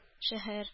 Шәһәр